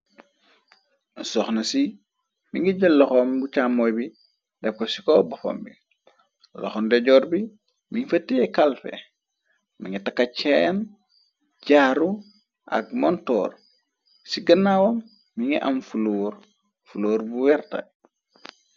soxna ci, mi ngi jël loxom bu càmmoy bi, deko ci ko boxam bi, loxonde joor bi, min fa tee kalfe, mingi takaceen, jaaru, ak montor. ci gënnaawam mi ngi am rfuloor bu weertaay.